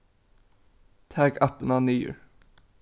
tak appina niður